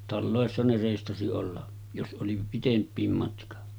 taloissa ne reistasi olla jos oli pitempikin matka